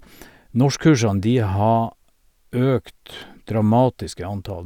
Norskkursene, de har økt dramatisk i antall.